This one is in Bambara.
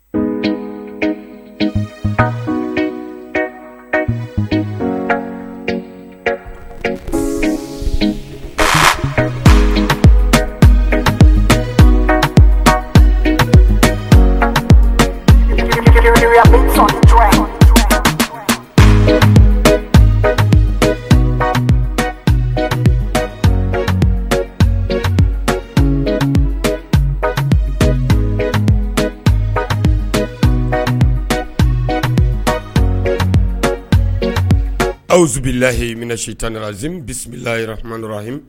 Sangɛnin yo awbiilahi m si tanda zi bisimilala dɔrɔn